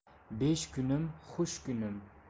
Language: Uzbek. besh kunim xush kunim